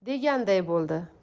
deganday bo'ldi